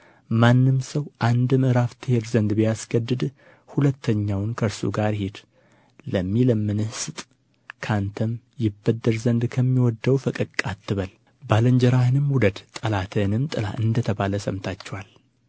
ማንም ሰው አንድ ምዕራፍ ትሄድ ዘንድ ቢያስገድድህ ሁለተኛውን ከእርሱ ጋር ሂድ ለሚለምንህ ስጥ ከአንተም ይበደር ዘንድ ከሚወደው ፈቀቅ አትበል ባልንጀራህን ውደድ ጠላትህንም ጥላ እንደ ተባለ ሰምታችኋል